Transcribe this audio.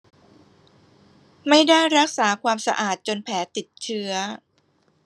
ไม่ได้รักษาความสะอาดจนแผลติดเชื้อ